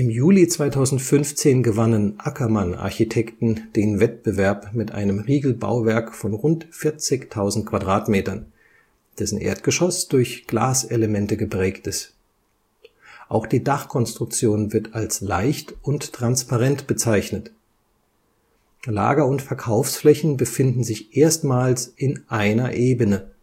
Juli 2015 gewannen Ackermann Architekten den Wettbewerb mit einem Riegelbauwerk von rund 40.000 m², dessen Erdgeschoss durch Glaselementen geprägt ist. Auch die Dachkonstruktion wird als leicht und transparent bezeichnet. Lager - und Verkaufsflächen befinden sich erstmals in einer Ebene